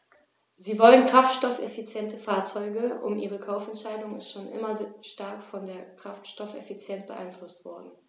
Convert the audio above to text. Sie wollen kraftstoffeffiziente Fahrzeuge, und ihre Kaufentscheidung ist schon immer stark von der Kraftstoffeffizienz beeinflusst worden.